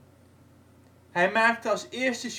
hij maakte als eerste journalist